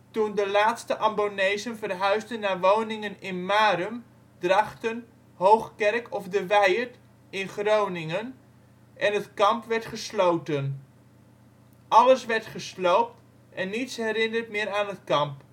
toen de laatste Ambonezen verhuisden naar woningen in Marum, Drachten, Hoogkerk of De Wijert in Groningen en het kamp werd gesloten. Alles werd gesloopt en niets herinnert meer aan het kamp